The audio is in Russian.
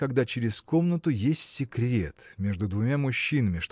когда через комнату есть секрет между двумя мужчинами